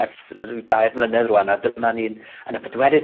ers rhyw dair mlynedd rŵan a dyma ni'n, yn y pedwerydd...